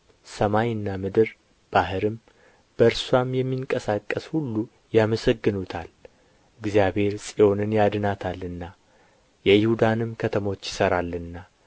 ሰማይና ምድር ባሕርም በእርስዋም የሚንቀሳቀስ ሁሉ ያመሰግኑታል እግዚአብሔር ጽዮንን ያድናታልና የይሁዳንም ከተሞች ይሠራልና